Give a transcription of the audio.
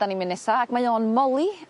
...'dan ni'n myn' nesa ag mae o'n moli